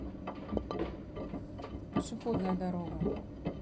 пешеходная дорога